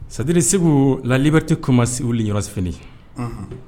Sadiri segu lali bɛ tɛ kuma wiliyɔrɔf